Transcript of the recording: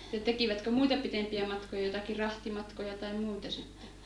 että tekivätkö muita pitempiä matkoja jotakin rahtimatkoja tai muita sitten